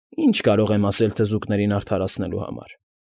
Ի՞նչ կարող եմ ասել թզուկներին արդարացնելու համար։